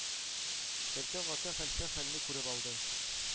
Кәлтә Гата хәлфә хәлне күреп алды.